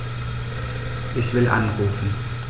Ich will anrufen.